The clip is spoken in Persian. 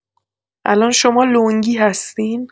الان شما لنگی هستین؟